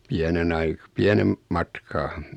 pienen - pienen matkaa